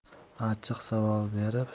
achchiq savol berib